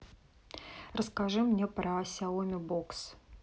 расскажи мне про сяоми бокс